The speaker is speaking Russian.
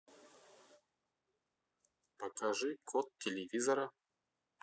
покажи код телевизора